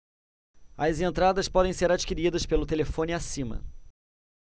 as entradas podem ser adquiridas pelo telefone acima